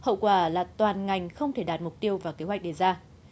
hậu quả là toàn ngành không thể đạt mục tiêu và kế hoạch đề ra